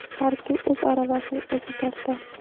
har kim o'z aravasini o'zi tortar